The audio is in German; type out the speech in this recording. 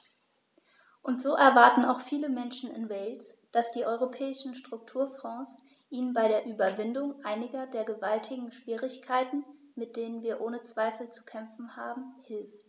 Und so erwarten auch viele Menschen in Wales, dass die Europäischen Strukturfonds ihnen bei der Überwindung einiger der gewaltigen Schwierigkeiten, mit denen wir ohne Zweifel zu kämpfen haben, hilft.